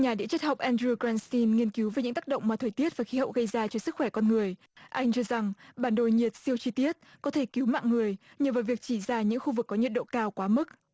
nhà địa chất học en diu ken sim nghiên cứu về những tác động mà thời tiết và khí hậu gây ra cho sức khỏe con người anh cho rằng bản đồ nhiệt siêu chi tiết có thể cứu mạng người nhờ vào việc chỉ ra những khu vực có nhiệt độ cao quá mức